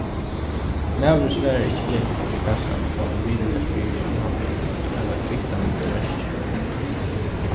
maðurin svarar ikki gentuni við kassan tá hon vinarliga spyr um hann vil hava kvittan og merkir